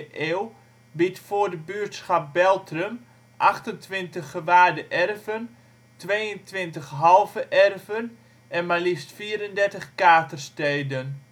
eeuw biedt voor de buurtschap Beltrum: 28 gewaarde erven, 22 halve erven en maar liefst 34 katersteden